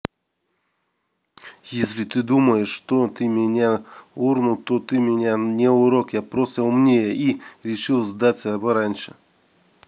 если ты думаешь что ты меня урну то ты меня не урок я просто умнее и решил сдаться пораньше